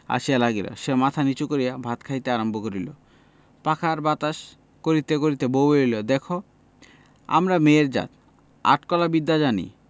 আসিয়া লাগিল সে মাথা নীচু করিয়া ভাত খাইতে আরম্ভ করিল পাখার বাতাস করিতে করিতে বউ বলিল দেখ আমরা মেয়ে জাত আট কলা বিদ্যা জানি